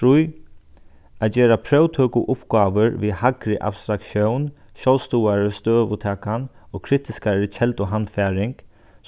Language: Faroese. trý at gera próvtøkuuppgávur við hægri abstraktión sjálvstøðugari støðutakan og kritiskari kelduhandfaring